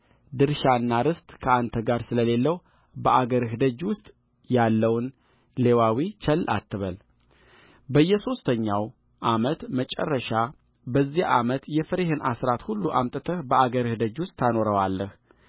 ድርሻና ርስት ከአንተ ጋር ስለሌለው በአገርህ ደጅ ውስጥ ያለውን ሌዋዊ ቸል አትበል በየሦስተኛው ዓመት መጨረሻ በዚያ ዓመት የፍሬህን አሥራት ሁሉ አምጥተህ በአገርህ ደጅ ውስጥ ታኖረዋለህ